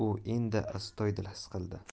mushkul ekanini u endi astoydil his qildi